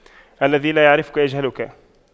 الذي لا يعرفك يجهلك